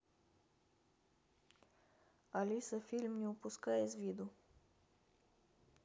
алиса фильм не упускай из виду